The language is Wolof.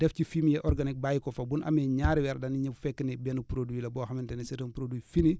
def ci fumier organique bàyyi ko fa bu nu amee ñaari weer dañuy ñëw fekk ni benn produit la boo xamante ni c' est un produit fini